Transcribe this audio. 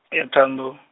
e ya Ṱhohoyanḓou.